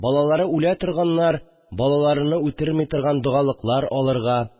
Балалары үлә торганнар балаларыны үтерми торган догалыклар алырга